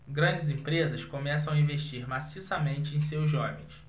grandes empresas começam a investir maciçamente em seus jovens